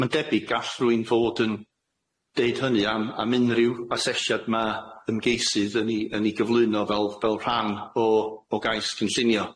Ma'n debyg gall rywun fod yn deud hynny am am unrhyw asesiad ma' ymgeisydd yn ei yn ei gyflwyno fel fel rhan o o gais cynllunio.